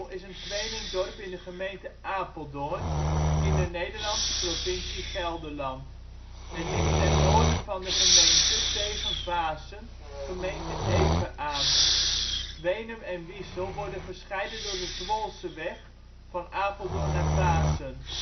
is een tweelingdorp in de gemeente Apeldoorn in de Nederlandse provincie Gelderland. Het ligt ten noorden van de gemeente tegen Vaassen, gemeente Epe, aan. Wenum en Wiesel worden gescheiden door de Zwolseweg (Apeldoorn-Vaassen